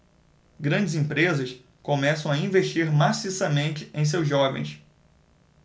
grandes empresas começam a investir maciçamente em seus jovens